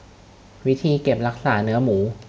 วิธีเก็บรักษาเนื้อหมู